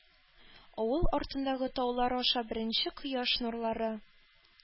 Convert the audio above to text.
Авыл артындагы таулар аша беренче кояш нурлары